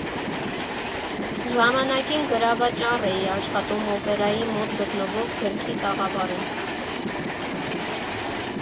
Ժամանակին գրավաճառ էի աշխատում Օպերայի մոտ գտնվող գրքի տաղավարում։